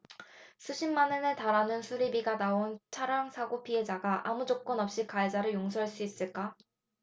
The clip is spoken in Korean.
수십만원에 달하는 수리비가 나온 차량사고 피해자가 아무 조건없이 가해자를 용서할 수 있을까